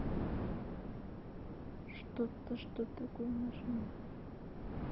что то что такое машина